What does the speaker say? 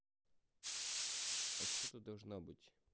а что тут должно быть